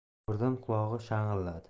birdan qulog'i shang'illadi